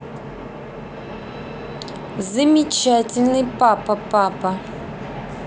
замечательный папа папа